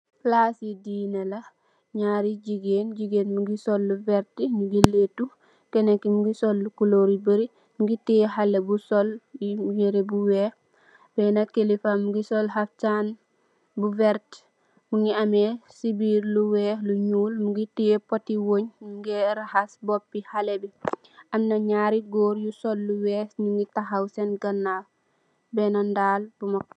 Plase deene la nyari jegain jegain muge sol lu verte muge leto kenake muge sol lu coloor yu bary muge teyeh haleh bu sol yere bu weex bena khalifa muge sol haftan bu verte muge ameh se birr lu weex lu nuul muge teyeh pote weah muge rahas bope haleh be amna nyari goor nu sol lu weex nuge tahaw sen ganaw bena ndal bu mak.